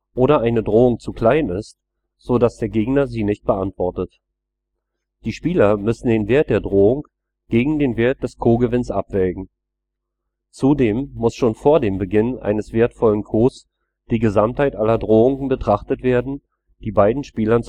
oder eine Drohung zu klein ist, so dass der Gegner sie nicht beantwortet. Die Spieler müssen den Wert der Drohung gegen den Wert des Ko-Gewinns abwägen. Zudem muss schon vor dem Beginn eines wertvollen Kos die Gesamtheit aller Drohungen betrachtet werden, die beiden Spielern